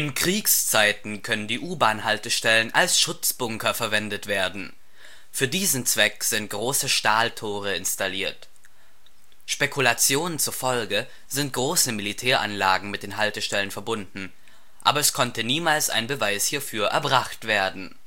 Kriegszeiten können die U-Bahn-Haltestellen als Schutzbunker verwendet werden. Für diesen Zweck sind große Stahltore installiert. Spekulationen zufolge sind große Militäranlagen mit den Haltestellen verbunden, aber es konnte niemals ein Beweis hierfür erbracht werden